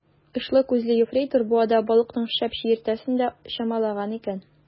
Очлы күзле ефрейтор буада балыкның шәп чиертәсен дә чамалаган икән.